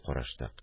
Караштык